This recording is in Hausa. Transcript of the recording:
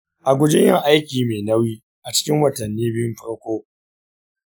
a guji yin aiki mai nauyi a cikin watanni biyun farko.